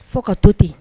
Fo ka to ten